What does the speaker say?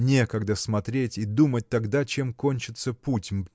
Некогда смотреть и думать тогда, чем кончится путь